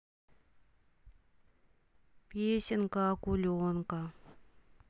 песенка акуленка